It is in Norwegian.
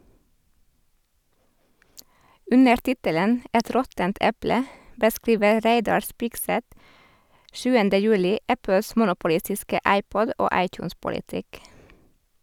Under tittelen «Et råttent eple» beskriver Reidar Spigseth 7. juli Apples monopolistiske iPod- og iTunes-politikk.